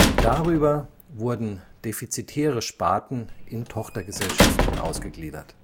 Darüber wurden defizitäre Sparten in Tochtergesellschaften ausgegliedert